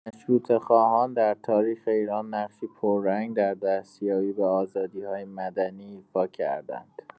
مشروطه‌خواهان در تاریخ ایران نقشی پررنگ در دستیابی به آزادی‌های مدنی ایفا کردند.